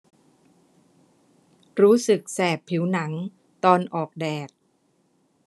รู้สึกแสบผิวหนังตอนออกแดด